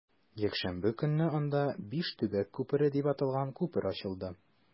Якшәмбе көнне анда “Биш төбәк күпере” дип аталган күпер ачылды.